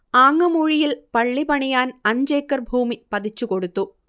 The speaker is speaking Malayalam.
ആങ്ങമൂഴിയിൽ പള്ളി പണിയാൻ അഞ്ചേക്കർ ഭൂമി പതിച്ചു കൊടുത്തു